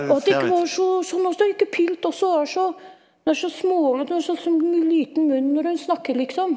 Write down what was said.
og at de ikke var så Pilt også er så hun har så små så liten munn når hun snakker liksom.